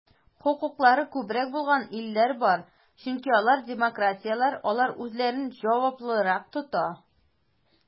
Хокуклары күбрәк булган илләр бар, чөнки алар демократияләр, алар үзләрен җаваплырак тота.